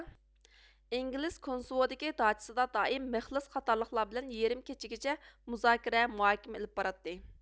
ئىنگىلىس كونسېۋودىكى داچىسىدا دائىم مېخلىس قاتارلىقلار بىلەن يېرىم كېچىگىچە مۇزاكىرە مۇھاكىمە ئېلىپ باراتتى